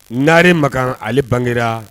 Naare Makan ale bangera